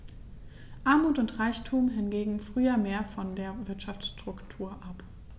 Armut und Reichtum hingen früher mehr von der Wirtschaftsstruktur ab.